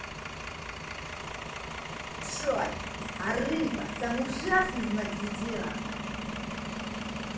джой а рыба самый ужасный знак зодиака